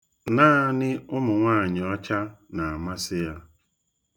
Naanị ụmụnwaanyị ọcha na-amasị ya.